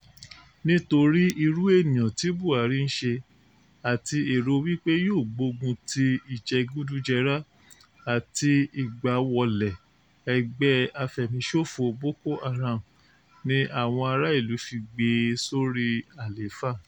Nítorí irú ènìyàn tí Buhari ń ṣe àti èrò wípé yóò gbógun ti ìjẹgúdújẹrá àti ìgbáwọlẹ̀ ẹgbẹ́ afẹ̀míṣòfò Boko Haram ni àwọn ará ìlú fi gbé e sórí àlééfà.